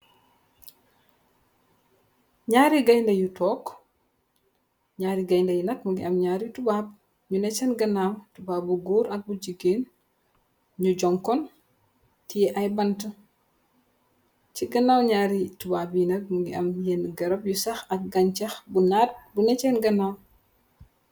Nyari geyndeh yu tog nyari geyndeh yi nak nyu ngi am nyaari tubab yu neh sen ganaw tubab bu goor and bu jigeen nyu jonkon tee ay banteu ci ganaw nyari tubab yi nak mungi am yeneu garap yu saxx ak ganchah yu naat yu neh sen ganaw.